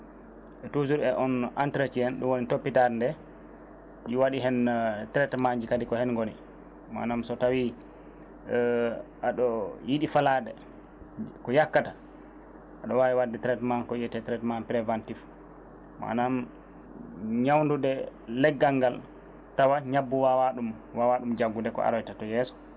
toujours e on entretien ɗum woni toppitade ɗi waɗi heen traitement ji kadi ko heen ngooni manam so tawi aɗa yiiɗi falade ko yakkata aɗa wawi wadde traitement ko wiyete traitement préventif manam ñawndude leggal ngal tawa ñabbu wawa ɗum wawa ɗum njaggude ko aroyta to yeeso